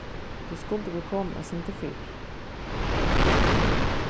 tú skuldi verið komin eitt sindur fyrr